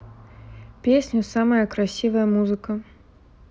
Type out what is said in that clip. песня самая красивая музыка